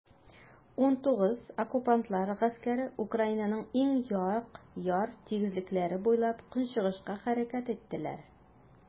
XIX Оккупантлар гаскәре Украинаның уң як яр тигезлекләре буйлап көнчыгышка хәрәкәт иттеләр.